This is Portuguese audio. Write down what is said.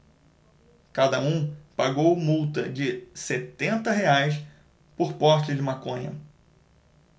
cada um pagou multa de setenta reais por porte de maconha